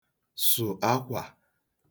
sụ̀ akwà